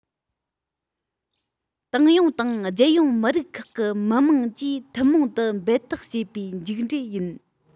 ཏང ཡོངས དང རྒྱལ ཡོངས མི རིགས ཁག གི མི དམངས ཀྱིས ཐུན མོང དུ འབད འཐབ བྱས པའི མཇུག འབྲས ཡིན